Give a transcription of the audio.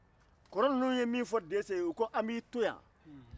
kɔrɔ ninnu ye min fɔ dɛsɛ ye k'an b'i to yan